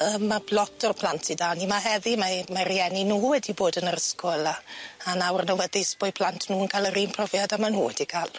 Yym ma' lot o'r plant sy 'da ni 'ma heddi mae mae rieni nw wedi bod yn yr ysgol a a nawr yn awyddus bo'u plant nw yn ca'l yr un profiad a ma' nw wedi ca'l.